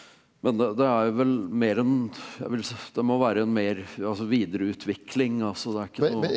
men det det er vel mer en jeg vil det må være en mer altså videreutvikling altså det er ikke noe.